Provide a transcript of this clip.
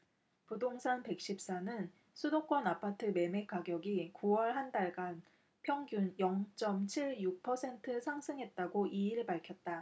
부동산 백 십 사 는 수도권 아파트 매매가격이 구 월 한달간 평균 영 쩜 칠 육 퍼센트 상승했다고 이 일 밝혔다